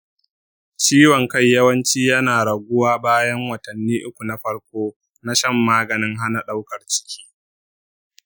ciwon kai yawanci yana raguwa bayan watanni uku na farko na shan maganin hana ɗaukar ciki.